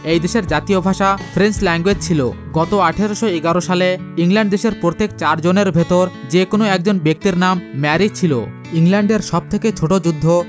এ দেশের জাতীয় ভাষা ফ্রেঞ্চ ল্যাঙ্গুয়েজ ছিল গত ১৮১১ সালে ইংল্যান্ড দেশের প্রত্যেক চারজনের ভেতর যে কোন একজন ব্যক্তির নাম মেরি ছিল ইংল্যান্ডের সবথেকে ছোট যুদ্ধ